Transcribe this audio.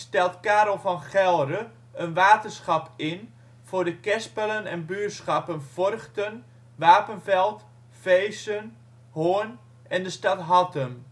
Karel van Gelre een waterschap in voor de kerspelen en buurschappen Vorchten, Wapenveld, Veessen, Hoorn en de stad Hattem